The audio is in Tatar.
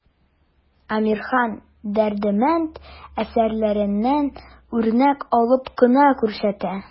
Әмирхан, Дәрдемәнд әсәрләреннән үрнәк алып кына күрсәтә.